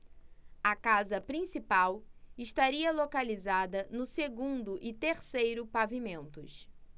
a casa principal estaria localizada no segundo e terceiro pavimentos